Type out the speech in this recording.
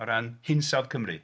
O ran hinsawdd Cymru.